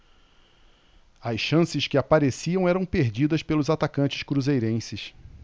as chances que apareciam eram perdidas pelos atacantes cruzeirenses